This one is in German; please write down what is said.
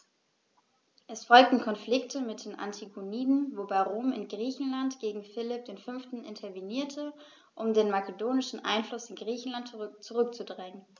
Es folgten Konflikte mit den Antigoniden, wobei Rom in Griechenland gegen Philipp V. intervenierte, um den makedonischen Einfluss in Griechenland zurückzudrängen.